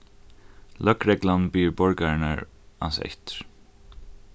løgreglan biður borgararnar ansa eftir